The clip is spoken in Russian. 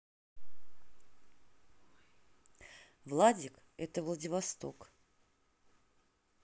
владик это владивосток